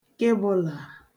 kebụ̄là